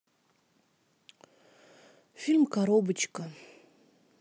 фильм коробочка